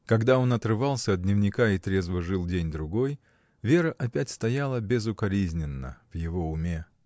Когда он отрывался от дневника и трезво жил день-другой, Вера опять стояла безукоризненна в его уме.